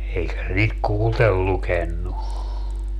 eikä se niitä kuullen lukenut